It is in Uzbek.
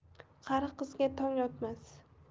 qari qizga tong otmas